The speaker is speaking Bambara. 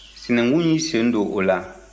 sinankun y'i sen don o la